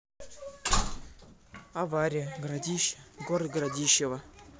авария городище город городищева